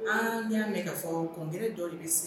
An y'a mɛn ka fɔ ko kelen dɔ de bɛ se